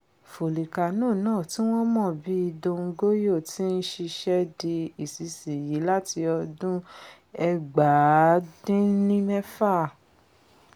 Fòlìkánò náà tí wọ́n mọ̀ bíi ''Don Goyo'' ti ń ṣiṣé di ìsinsìnyí láti ọdún 1994.